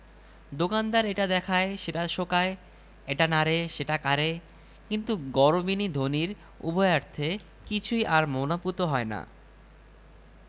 শুধু মার্ক টুয়েনই না দুনিয়ার অধিকাংশ লোকই লাইব্রেরি গড়ে তোলে কিছু বই কিনে আর কিছু বই বন্ধুবান্ধবের কাছ থেকে ধার করে ফেরত্ না দিয়ে